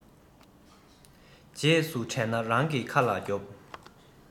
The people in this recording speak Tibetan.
རྗེས སུ དྲན ན རང གི ཁ ལ རྒྱོབ